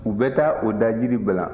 u bɛ taa o da jiri balan